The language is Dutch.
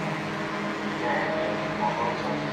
Ter herdenking van Mozarts